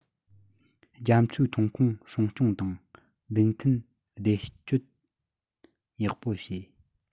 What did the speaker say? རྒྱ མཚོའི ཐོན ཁུངས སྲུང སྐྱོང དང ལུགས མཐུན བདེ སྤྱོད ཡག པོ བྱས